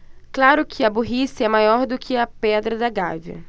claro que a burrice é maior do que a pedra da gávea